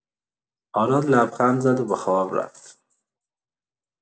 آراد لبخند زد و به خواب رفت.